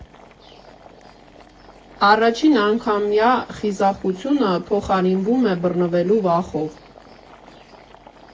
Առաջին անգամվա խիզախությունը փոխարինվում է բռնվելու վախով։